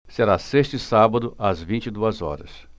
será sexta e sábado às vinte e duas horas